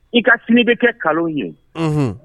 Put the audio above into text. I ka sini bɛ kɛ kalo ye